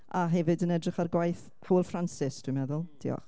a hefyd yn edrych ar gwaith Paul Francis, dwi'n meddwl. Diolch.